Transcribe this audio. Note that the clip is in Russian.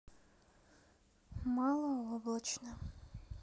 малооблачно